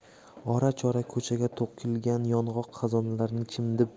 ora chora ko'chaga to'kilgan yong'oq xazonlarini chimdib